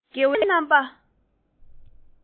དགེ བའི བཤེས གཉེན རྣམ པ